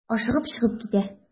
Ашыгып чыгып китә.